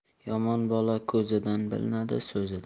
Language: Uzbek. yomon bola ko'zidan bilinadi so'zidan